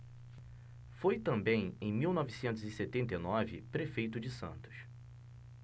foi também em mil novecentos e setenta e nove prefeito de santos